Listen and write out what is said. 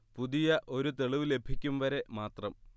പുതിയ ഒരു തെളിവ് ലഭിക്കും വരെ മാത്രം